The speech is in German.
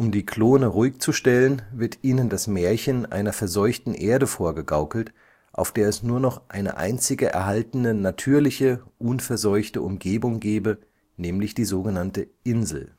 die Klone ruhigzustellen, wird ihnen das Märchen einer verseuchten Erde vorgegaukelt, auf der es nur noch eine einzige erhaltene natürliche, unverseuchte Umgebung gebe, nämlich die sogenannte „ Insel